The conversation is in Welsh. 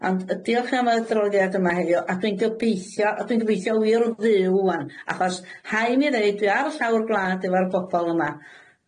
Ond yy diolch am y adroddiad yma heddiw, a dwi'n gobeithio- a dwi'n gobeithio wir dduw ŵan, achos 'hai' mi ddeud, dwi ar y llawr gwlad efo'r bobol yma